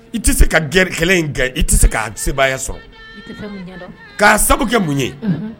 I tɛ se ka g kɛlɛ in kɛ i tɛ se k ka sebayaya sɔrɔ k' sababu kɛ mun ye